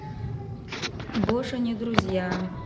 больше не друзья